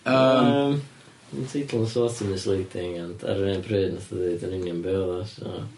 Yym. Ma'r teitl sort of misleading ond ar yr un pryd nath o ddeud yn union be' o'dd o so...